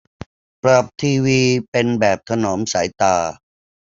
ปรับทีวีเป็นแบบถนอมสายตา